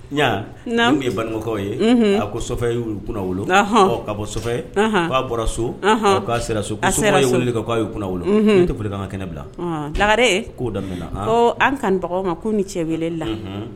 Ɲan, Naamu, ninnu tun ye Banikɔnaw ye, Unhun, a ko chauffeur y'u kunna wolo, Anhan,ɔ ka bɔ so fɛ, Anhan, k'a bɔra so, Anhan, ɔ k'a sera so, a sera so, ko chauffeur ye weleli kɛ, k'a y'o kunna wolo, Unhun, i tɛ fɔli kɛ an ka kɛnɛ bila, Ɔnhɔn, Lagare, kow daminɛ na, han, ko an kanubagaw ma ko ni cɛ weleli la.